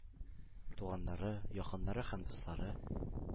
Туганнары, якыннары һәм дуслары,